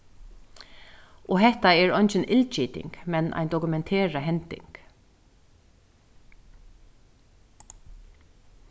og hetta er eingin illgiting men ein dokumenterað hending